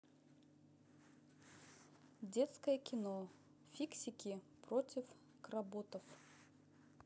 детское кино фиксики против кработов